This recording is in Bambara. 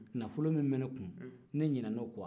nafolo min bɛ ne kun ne ɲinan'o ko